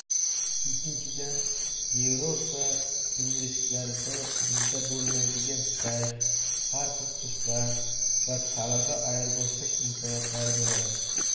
ikkinchidan yevropa universitetlarida bizda bo'lmaydigan staj har xil kurslar va talaba ayirboshlash imkoniyatlari bo'ladi